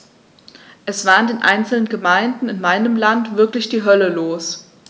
Es war in einzelnen Gemeinden in meinem Land wirklich die Hölle los.